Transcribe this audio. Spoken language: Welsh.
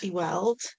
I weld...